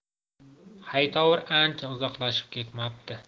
haytovur ancha uzoqlashib ketmabdi